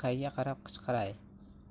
qayga qarab qichqiray